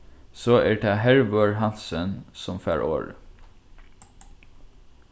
so er tað hervør hansen sum fær orðið